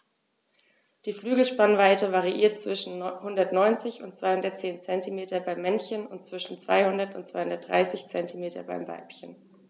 Die Flügelspannweite variiert zwischen 190 und 210 cm beim Männchen und zwischen 200 und 230 cm beim Weibchen.